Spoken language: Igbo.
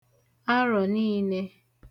arọ̀ niīnē